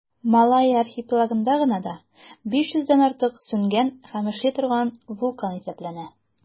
Малайя архипелагында гына да 500 дән артык сүнгән һәм эшли торган вулкан исәпләнә.